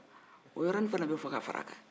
o yɔrɔnin fana be fɔ ka fara a kan